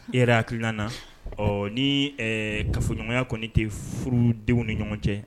E yɛrɛ hakili nan ɔ ni kafoɲɔgɔnya kɔni tɛ furu denw ni ɲɔgɔn cɛ